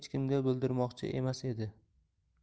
kimga bildirmoqchi emas edi